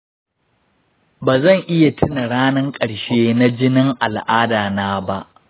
bazan iya tina ranan ƙarshe na jinin al'ada na ba.